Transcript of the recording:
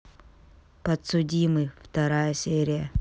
подсудимый вторая серия